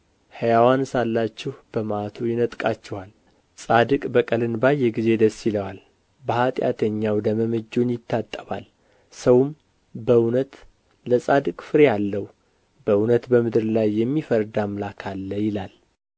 ሕያዋን ሳላችሁ በመዓቱ ይነጥቃችኋል ጻድቅ በቀልን ባየ ጊዜ ደስ ይለዋል በኃጢአተኛው ደምም እጁን ይታጠባል ሰውም በእውነት ለጻድቅ ፍሬ አለው በእውነት በምድር ላይ የሚፈርድ አምላክ አለ ይላል